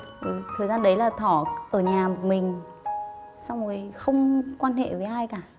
rồi thời gian đấy là thỏ ở nhà một mình xong rồi không quan hệ với ai cả